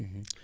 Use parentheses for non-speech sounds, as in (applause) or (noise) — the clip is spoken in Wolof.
(hesitation) (smacks lips)